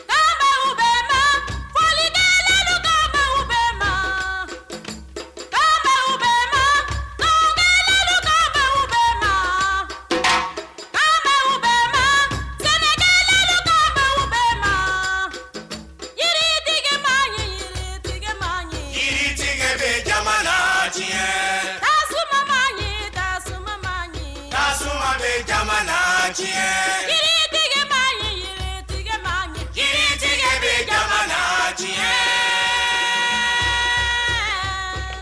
Faama bɛ ba delikɛjɛkɔrɔkuma bɛ ba faama bɛba faama delikɛ ba bɛ ba faama bɛba jjɛkɔrɔkuma bɛ ba yiritigiba yiritigiba ɲi jiri jɛgɛ bɛ jama diɲɛ suba kin ta suba min ba bɛ jamala cɛ jiritigibakɛ yiritigi ma min j jɛgɛ bɛ jamala diɲɛ